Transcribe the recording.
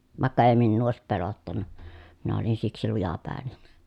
vaikka ei minua olisi pelottanut minä olin siksi lujapäinen